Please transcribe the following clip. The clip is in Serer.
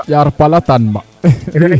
ƴaar pala taan ma